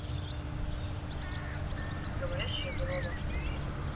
говорящая голова